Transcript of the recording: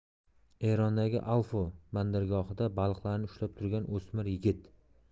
erondagi alfo bandargohida baliqlarni ushlab turgan o'smir yigit